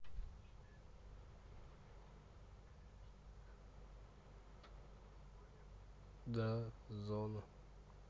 кадарская зона